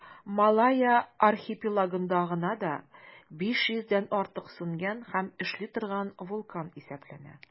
Малайя архипелагында гына да 500 дән артык сүнгән һәм эшли торган вулкан исәпләнә.